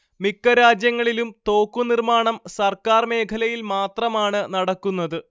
മിക്ക രാജ്യങ്ങളിലും തോക്കുനിർമ്മാണം സർക്കാർ മേഖലയിൽ മാത്രമാണ് നടക്കുന്നത്